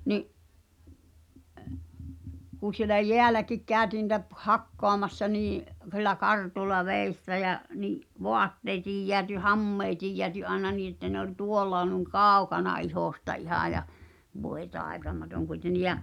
niin kun siellä jäälläkin käytiin niitä - hakkaamassa niin sillä kartulla vedessä ja niin vaatteetkin jäätyi hameetkin jäätyi aina niin että ne oli tuolla noin kaukana ihosta ihan ja voi taitamaton kuitenkin ja